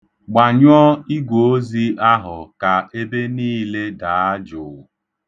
Gbanyụọ igwoozi ahụ ka ebe niile daa jụụ.